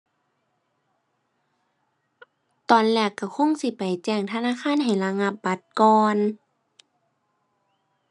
ตอนแรกก็คงสิไปแจ้งธนาคารให้ระงับบัตรก่อน